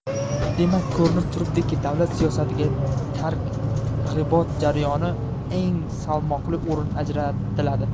demak ko'rinib turibdiki davlat siyosatiga targ ibot jarayonida eng salmoqli o'rin ajratiladi